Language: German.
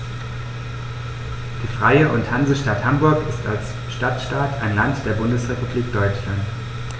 Die Freie und Hansestadt Hamburg ist als Stadtstaat ein Land der Bundesrepublik Deutschland.